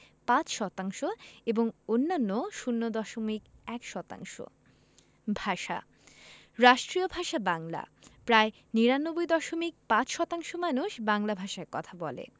৫ শতাংশ এবং অন্যান্য ০দশমিক ১ শতাংশ ভাষাঃ রাষ্ট্রীয় ভাষা বাংলা প্রায় ৯৯দশমিক ৫শতাংশ মানুষ বাংলা ভাষায় কথা বলে